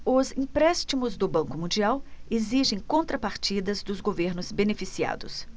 os empréstimos do banco mundial exigem contrapartidas dos governos beneficiados